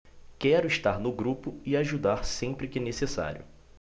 quero estar no grupo e ajudar sempre que necessário